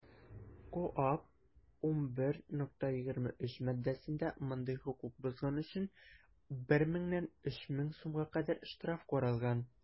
КоАП 11.23 маддәсендә мондый хокук бозган өчен 1 меңнән 3 мең сумга кадәр штраф каралган.